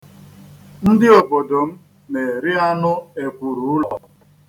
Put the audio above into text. Ndị obodo m na-eri anụ ekwurụụlọ.